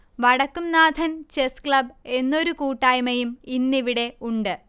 Vadakkumnathan chess club എന്നൊരു കൂട്ടായ്മയും ഇന്നിവിടെ ഉണ്ട്